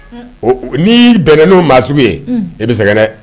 Ni bɛnna n'o maa sugu ye e bɛ sɛgɛn dɛ